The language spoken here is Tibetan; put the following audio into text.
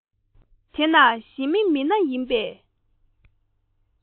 དེ ན ཞི མི མི སྣ ཡིན ནམ